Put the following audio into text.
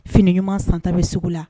Fini ɲuman santa bɛ sugu la